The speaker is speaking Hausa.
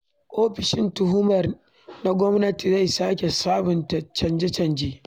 Ofishin Tuhumar na Gwamnati zai sake sabunta caje-cajen.